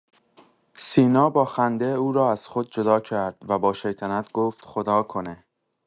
سینا با خنده او را از خود جدا کرد و با شیطنت گفت: خداکنه.